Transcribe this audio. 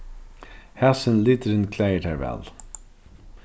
hasin liturin klæðir tær væl